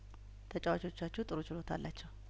ተጨዋቾ ቻችሁ ጥሩ ችሎታ አላቸው